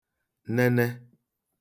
nene